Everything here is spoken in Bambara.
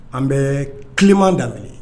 An bɛ kiman dalen